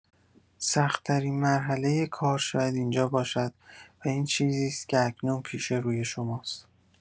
سخت‌ترین مرحله کار شاید اینجا باشد و این چیزی است که اکنون پیش روی شماست.